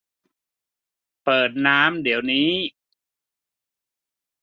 เปิดน้ำเดี๋ยวนี้